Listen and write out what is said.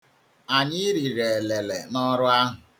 Anyị riri elele n'ọrụ ahụ.